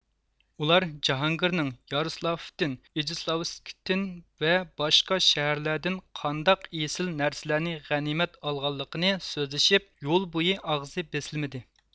ئۇلار جاھانگىرنىڭ يارۇسلافدىن ئىجېسلاۋسكتىن ۋە باشقا شەھەرلەردىن قانداق ئېسىل نەرسىلەرنى غەنىيمەت ئالغانلىقىنى سۆزلىشىپ يول بويى ئاغزى بېسىلمىدى